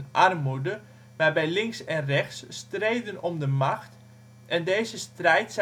armoede, waarbij links en rechts streden om de macht en deze strijd